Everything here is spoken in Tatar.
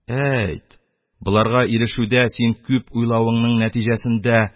Әйт, боларга ирешүдә син күп уйлавыңның нәтиҗәсендә